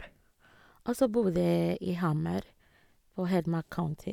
Og så bodde i Hammer på Hedmark county.